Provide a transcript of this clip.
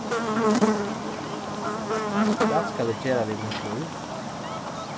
hvat skal eg gera við mítt lív